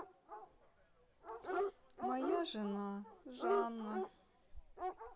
моя жена жанна